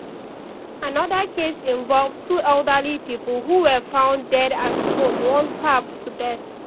Another case involves two elderly people who were found dead at home, one starved to death.